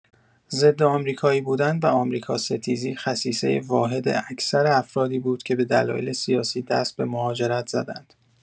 ضدآمریکایی بودن و آمریکاستیزی خصیصۀ واحد اکثر افرادی بود که به دلایل سیاسی دست به مهاجرت زدند.